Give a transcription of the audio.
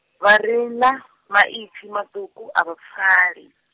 vha re na , maipfi maṱuku a vha pfali.